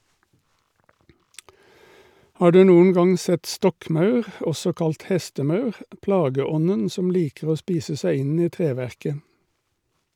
Har du noen gang sett stokkmaur , også kalt hestemaur, plageånden som liker å spise seg inn i treverket?